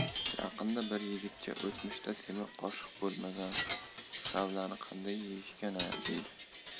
yaqinda bir yigitcha o'tmishda temir qoshiq bo'lmagan shavlani qanday yeyishgan a deydi